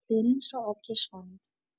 برنج را آبکش کنید.